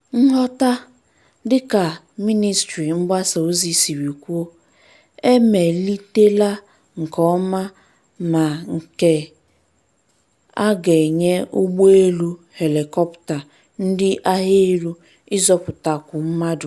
Nhụta, dị ka mịnịstrị mgbasa ozi siri kwuo, e melitela nkeọma ma nke a ga-enyere ụgbọelu helikọpta ndị aghaelu ịzọpụtakwu mmadụ.